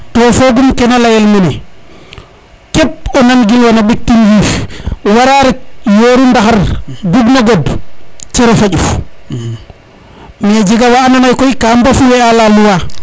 to fogum kena leyel mene kep o nan gilwan o ɓektin yiif wara ret yoru ndaxar bugno god cerofa ƴuf mais a jega wa ando naye koy ka mbafoué a la loi